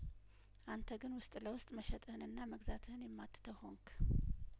አንተ ግን ውስጥ ለውስጥ መሸጥህንና መግዛትህን የማትተው ሆንክ